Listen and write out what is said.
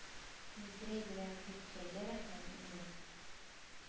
Митрәй белән Хитрәйгә рәхмәт инде